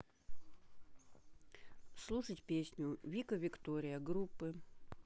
слушать песню вика виктория группы